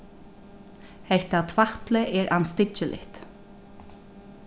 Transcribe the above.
hetta tvætlið er andstyggiligt